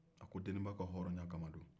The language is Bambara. deniba ka hɔrɔnya kama don